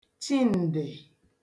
chiǹdị̀